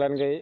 waaw